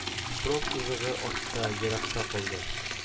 Фронт сызыгы артта, еракта калды